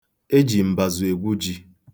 E ji mbazụ egwu ji.